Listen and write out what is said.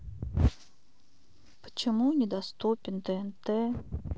почему недоступен тнт